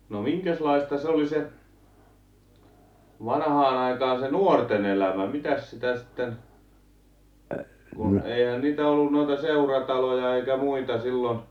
no minkäslaista se oli se vanhaan aikaan se nuorten elämä mitäs sitä sitten kun eihän niitä ollut noita seurataloja eikä muita silloin